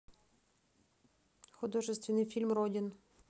художественный фильм родин